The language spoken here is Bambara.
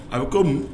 A be comme